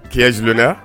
Tiɲɛ joonaunya